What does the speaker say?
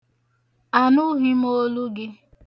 Anụghị m olu gị.